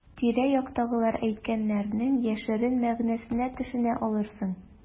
Тирә-яктагылар әйткәннәрнең яшерен мәгънәсенә төшенә алырсың.